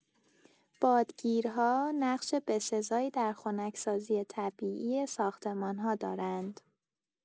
بادگیرها نقش بسزایی در خنک‌سازی طبیعی ساختمان‌ها دارند.